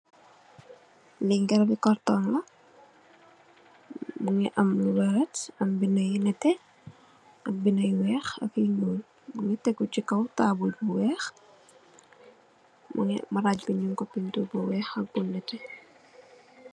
Li garabi cartoon la mu ngi am lu weex am benda yu nete am benda yu weex ak yu ñyuul mu ngi teggu ci kaw tabol bu weex marraj bi nu ko pintiir pintiir bu weex ak bu nete.